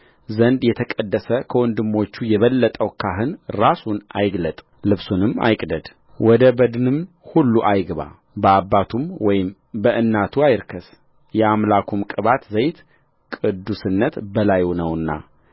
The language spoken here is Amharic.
ዘንድ የተቀደሰ ከወንድሞቹ የበለጠው ካህን ራሱን አይግለጥ ልብሱንም አይቅደድወደ በድንም ሁሉ አይግባ በአባቱም ወይም በእናቱ አይርከስየአምላኩም ቅባት ዘይት ቅዱስነት በላዩ ነውና